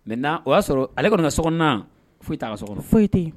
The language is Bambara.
Maintenant o y'a sɔrɔ ale kɔni ka so kɔɔnna foyi t'a ka sɔ kɔnɔ foyi te ye